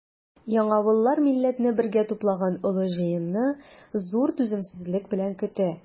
Яңавыллар милләтне бергә туплаган олы җыенны зур түземсезлек белән көтә.